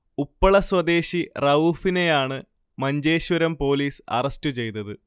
ഉപ്പള സ്വദേശി റഊഫിനെയാണ് Manjeshwaram police arrest ചെയ്തത്